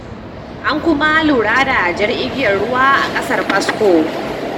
An kuma lura da Jar Igiyar Ruwa a kasar Pasco.